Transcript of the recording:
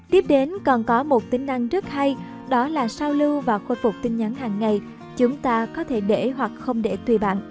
tiếp đến còn có tính năng rất hay đó là sao lưu và khôi phục tin nhắn hàng ngày chúng ta có thể để hoặc không để tùy bạn